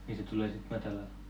niin se tulee sitten matalalle